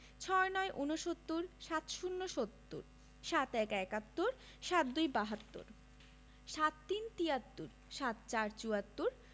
৬৯ – ঊনসত্তর ৭০ - সত্তর ৭১ – একাত্তর ৭২ – বাহাত্তর ৭৩ – তিয়াত্তর ৭৪ – চুয়াত্তর